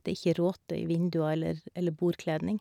Det er ikke råte i vinduer eller eller bordkledning.